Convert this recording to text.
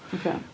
Oce.